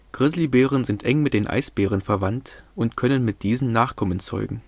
Grizzlybären sind eng mit den Eisbären verwandt und können mit diesen Nachkommen zeugen